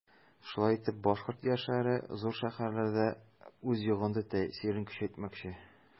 Шулай итеп башкорт яшьләре зур шәһәрләрдә дә үз йогынты-тәэсирен көчәйтмәкче.